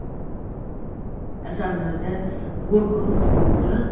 sal narida gurkurov suvi quturib